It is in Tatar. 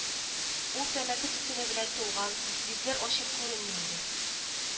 Ул тәмәке төтене белән тулган, йөзләр ачык күренми иде